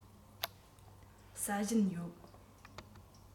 ཟ བཞིན ཡོད